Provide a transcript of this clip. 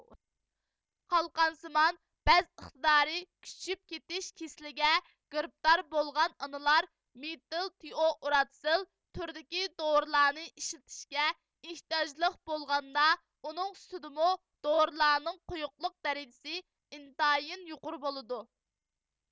قالقانسىمان بەز ئىقتىدارى كۈچىيىپ كېتىش كېسىلىگە گىرىپتار بولغان ئانىلار مېتىل تىئوئۇراتسىل تۈرىدىكى دورىلارنى ئىشلىتىشكە ئېھتىياجلىق بولغاندا ئۇنىڭ سۈتىدىمۇ دورىلارنىڭ قويۇقلۇق دەرىجىسى ئىنتايىن يۇقىرى بولىدۇ